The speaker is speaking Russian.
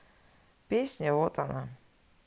песня вот она